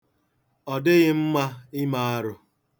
Ọ dịghị mma ime arụ.